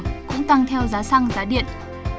cũng tăng theo giá xăng giá điện